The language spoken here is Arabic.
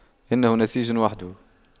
إنه نسيج وحده